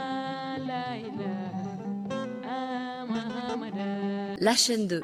Layɛn don